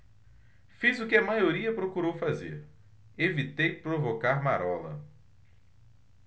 fiz o que a maioria procurou fazer evitei provocar marola